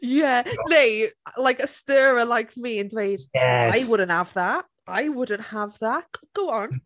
Ie neu like a stirrer like me yn dweud "I wouldn't have that, I wouldn't have that. Go on."